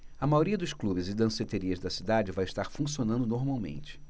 a maioria dos clubes e danceterias da cidade vai estar funcionando normalmente